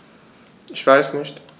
Ich weiß nicht.